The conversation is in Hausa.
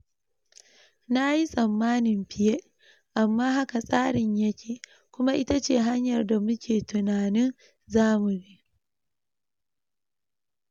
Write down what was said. Na yi tsammanin fiye, amma haka tsarin ya ke kuma itace hanyar da mu ke tunanin za mu bi.